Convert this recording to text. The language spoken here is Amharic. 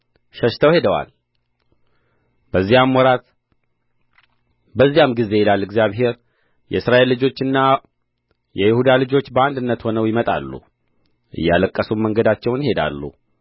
ሸሽተው ሄደዋል በዚያም ወራት በዚያም ጊዜ ይላል እግዚአብሔር የእስራኤል ልጆችና የይሁዳ ልጆች በአንድነት ሆነው ይመጣሉ እያለቀሱም መንገዳቸውን ይሄዳሉ